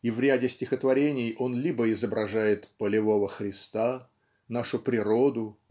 И в ряде стихотворений он либо изображает "полевого Христа" нашу природу